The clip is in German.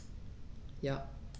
Ja.